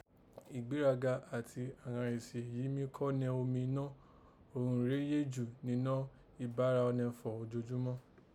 Ìgbéraga àti àghan èsì èyí mí kọnẹ ominọ́ òghun rèé yé jù ninọ́ ìbára ọnẹ fọ̀ ojojúmá